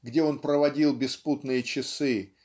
где он проводил беспутные часы